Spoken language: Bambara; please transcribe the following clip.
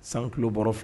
San tuloɔrɔ filɛ